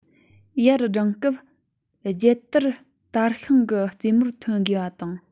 ཡར བསྒྲེངས སྐབས རྒྱལ དར དར ཤིང གི རྩེ མོར ཐོན དགོས པ དང